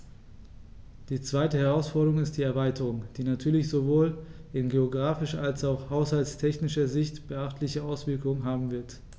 Die zweite Herausforderung ist die Erweiterung, die natürlich sowohl in geographischer als auch haushaltstechnischer Sicht beachtliche Auswirkungen haben wird.